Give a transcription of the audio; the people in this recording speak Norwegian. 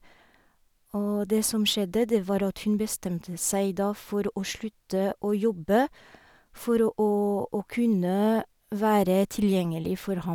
Og det som skjedde, det var at hun bestemte seg da for å slutte å jobbe, for å å kunne være tilgjengelig for ham.